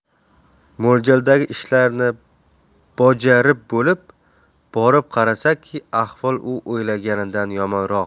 mo'ljaldagi ishlarni baja rib bo'lib borib qarasaki ahvol u o'ylagandan yomonroq